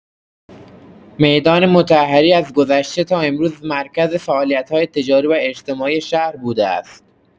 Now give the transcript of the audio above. میدان مطهری از گذشته تا امروز مرکز فعالیت‌های تجاری و اجتماعی شهر بوده است.